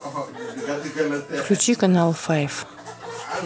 включи канал файв